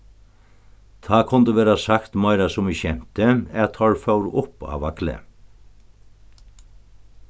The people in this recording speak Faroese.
tá kundi verða sagt meira sum í skemti at teir fóru upp á vaglið